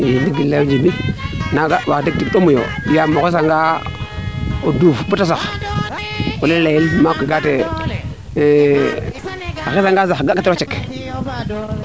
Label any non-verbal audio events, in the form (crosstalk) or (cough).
i ndigil leyo Djiby i maaga tig ɗomu yoo yam o xesa nga o duuf bata sax one leyel maak we kaa te a xesa nga sax (unintelligible)